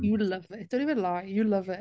You love it, don't even lie, you love it.